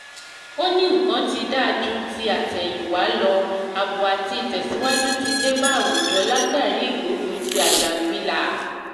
Ó ní, ”Nǹkan ti da ju ti àtẹ̀yínwa lọ. Àbò àti ìtẹ̀síwájú ti dé bá àwùjọ látàrí ìgbógunti àjàngbilà.”